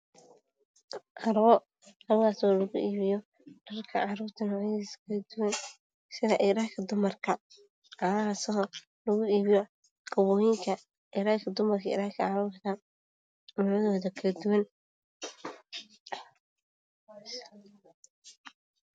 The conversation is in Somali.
Waa carwo lugu iibiyo dharka caruurta nuucyadiisa kala duwan iyo dharka dumarka iyo kabooyinka.